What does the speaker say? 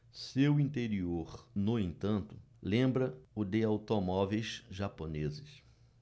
seu interior no entanto lembra o de automóveis japoneses